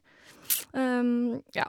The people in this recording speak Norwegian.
Ja.